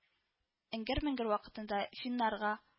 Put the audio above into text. Эңгер-меңгер вакытында финнарга